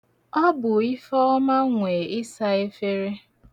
Ọ bụ Ifeọma nwe ịsa efere.